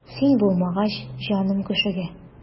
Син булмагач җаным күшегә.